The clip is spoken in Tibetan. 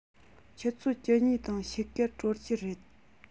ཆུ ཚོད བཅུ གཉིས དང ཕྱེད ཀར གྲོལ གྱི རེད